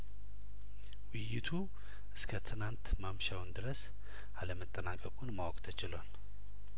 ውይይቱ እስከትናንት ማምሻውን ድረስ አለመጠናቀቁን ማወቅ ተችሏል